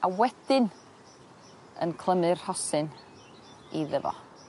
a wedyn yn clymu'r rhosyn iddo fo.